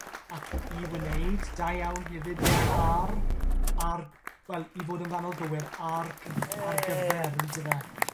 Ac i wneud. Da iawn hefyd, ie ar. Ar, wel i fod yn fanwl gywir ar cyf- ar gyfer on'd yfe?